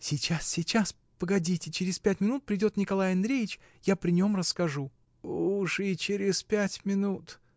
— Сейчас, сейчас, погодите: через пять минут приедет Николай Андреич, я при нем расскажу. — Уж и через пять минут!